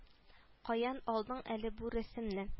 Каян алдың әле бу рәсемне